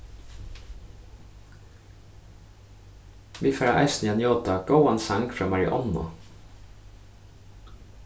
vit fara eisini at njóta góðan sang frá marionnu